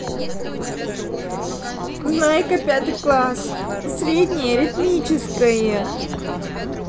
знайка пятый класс средние аритмическое